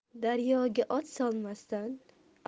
daryoga ot solmasdan